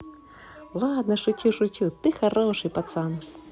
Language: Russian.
ладно шучу шучу ты хороший пацан